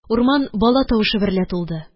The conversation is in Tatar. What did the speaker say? Урман бала тавышы берлә тулды.